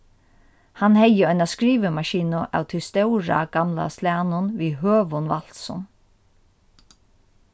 hann hevði eina skrivimaskinu av tí stóra gamla slagnum við høgum valsum